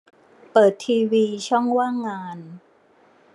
เปิดทีวีช่องว่างงาน